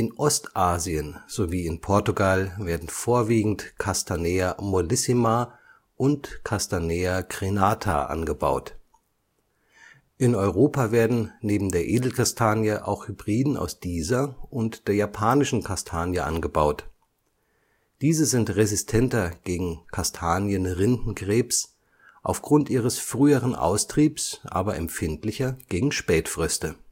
Ostasien sowie in Portugal werden vorwiegend Castanea mollissima und Castanea crenata angebaut. In Europa werden neben der Edelkastanie auch Hybriden aus dieser und der Japanischen Kastanie angebaut, diese sind resistenter gegen Kastanienrindenkrebs, aufgrund ihres früheren Austriebs aber empfindlicher gegen Spätfröste